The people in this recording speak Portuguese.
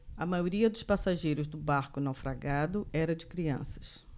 a maioria dos passageiros do barco naufragado era de crianças